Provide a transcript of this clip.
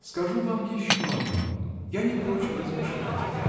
-- Скажу вам еще одно: я не прочь размышлять.